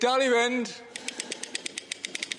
Dal i fynd.